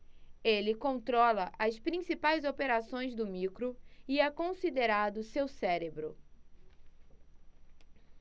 ele controla as principais operações do micro e é considerado seu cérebro